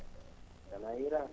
tana hiiraani